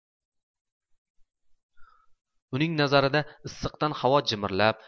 uning nazarida issiqdan havo jimirlab